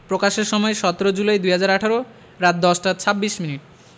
প্রকাশের সময় ১৭ জুলাই ২০১৮ রাত ১০টা ২৬ মিনিট